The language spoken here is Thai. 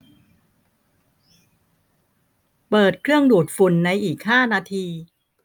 เปิดเครื่องดูดฝุ่นในอีกห้านาที